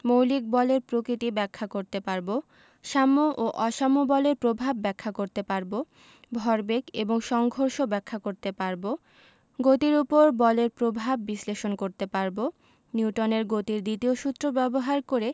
মৌলিক বলের প্রকৃতি ব্যাখ্যা করতে পারব সাম্য ও অসাম্য বলের প্রভাব ব্যাখ্যা করতে পারব ভরবেগ এবং সংঘর্ষ ব্যাখ্যা করতে পারব গতির উপর বলের প্রভাব বিশ্লেষণ করতে পারব নিউটনের গতির দ্বিতীয় সূত্র ব্যবহার করে